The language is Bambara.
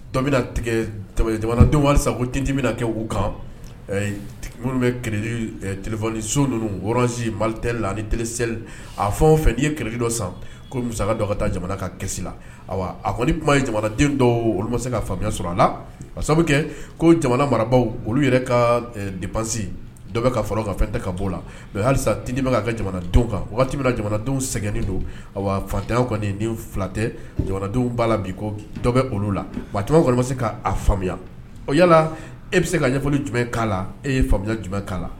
Tdi kɛ uu kan minnu bɛ so ninnu wɔɔrɔnsi mali tɛ la ni t seli a fɔ fɛn'i yeli dɔ san dɔ ka taa jamana ka la a kɔni kuma ye jamanaden dɔw olu ma se ka faamuya sɔrɔ a la a sababu kɛ ko jamana marabaw olu yɛrɛ ka de pansi dɔ ka ka fɛn tɛ ka bɔ la mɛ hali tin ka jamanadenw kan waati wagati jamanadenw sɛgɛnnen don fatan kɔni ni fila tɛ jamanadenw b'a la bi dɔbɛ olu la ma se k'a faamuya o yala e bɛ se ka ɲɛfɔ jumɛn k'a la e ye faamuya jumɛn k'a la